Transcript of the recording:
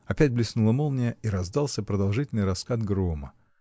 Опять блеснула молния, и раздался продолжительный раскат грома.